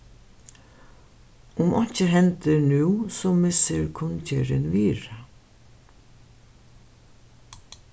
um einki hendir nú so missir kunngerðin virði